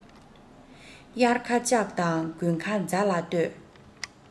དབྱར ཁ ལྕགས དང དགུན ཁ རྫ ལ ལྟོས